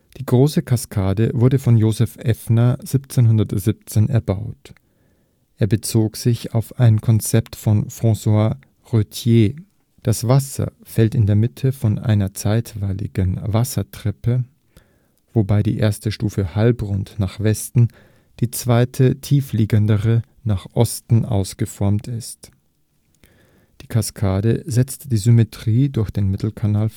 Die Große Kaskade wurde von Joseph Effner 1717 erbaut. Er bezog sich auf ein Konzept von François Roëttiers. Das Wasser fällt in der Mitte von einer zweiteiligen Wassertreppe, wobei die erste Stufe halbrund nach Westen, die zweite, tieferliegende, nach Osten ausgeformt ist. Die Kaskade setzt die Symmetrie durch den Mittelkanal